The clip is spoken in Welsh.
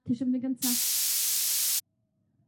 ###ti isio mynd yn gynta?